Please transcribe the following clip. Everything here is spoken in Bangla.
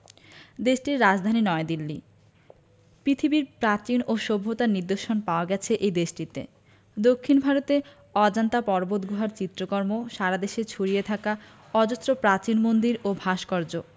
দেশটির রাজধানী নয়াদিল্লী পৃথিবীর প্রাচীন ও সভ্যতার নিদর্শন পাওয়া গেছে এ দেশটিতে দক্ষিন ভারতে অজন্তা পর্বতগুহার চিত্রকর্ম সারা দেশে ছড়িয়ে থাকা অজস্র প্রাচীন মন্দির ও ভাস্কর্য